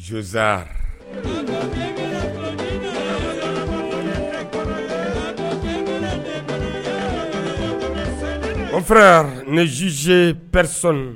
San o fɔra yan ni zze pɛresɔn